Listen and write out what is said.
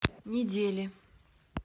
недели